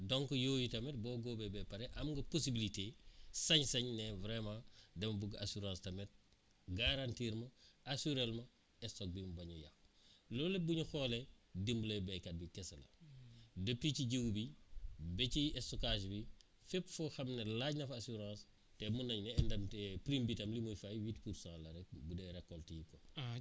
donc yooyu tamit boo góobee ba pare am nga possibilité sañ-sañ ne vraiment dama bëgg assurer tamit garantir ma assuré ma stock bi mu bañ a yàqu loolu yëpp bu ñu xoolee dimbale béykat bi kese la depuis ci jiw bi ba ci sqtockage bi fépp foo xam ne laaj na fa assurance te mën nañ ne indemnité prime bi tamit lu muy fay 8 pour 100 la rek bu dee récolte yi